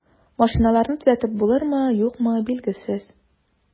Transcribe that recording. Машиналарны төзәтеп булырмы, юкмы, билгесез.